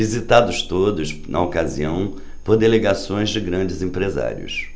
visitados todos na ocasião por delegações de grandes empresários